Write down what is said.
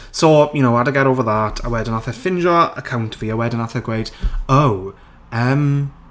So you know I had to get over that a wedyn wnaeth e ffindo account fi a wedyn wnaeth e gweud "O yym"...